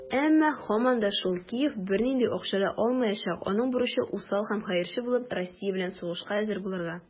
Әмма, һаман да шул, Киев бернинди акча да алмаячак - аның бурычы усал һәм хәерче булып, Россия белән сугышка әзер булырга.